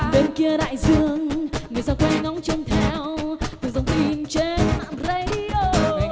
bên kia đại dương người xa quê ngóng trong theo từng dòng tin trên rây đi ô